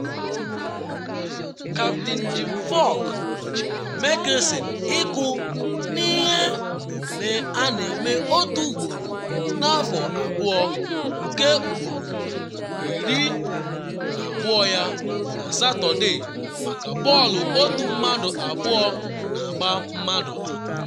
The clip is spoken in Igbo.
Kaptịn Jim Furyk nọchiri Mickelson, ịkụ n’ihe mmemme a na-eme otu ugboro n’afọ abụọ nke ugboro 12 ya, na Satọde maka bọọlụ otu mmadụ abụọ na agba mmadụ anọ.